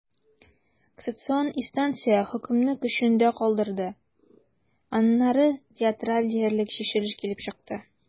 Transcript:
Кассацион инстанция хөкемне көчендә калдырды, аннары театраль диярлек чишелеш килеп чыкты.